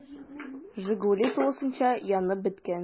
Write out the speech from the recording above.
“жигули” тулысынча янып беткән.